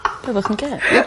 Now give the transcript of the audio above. Be' fo' chi'n gê?